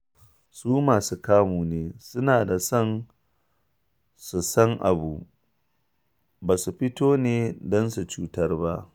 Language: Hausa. Su masu kamu ne, suna da son su san abu... ba su fito ne don su cutar ba.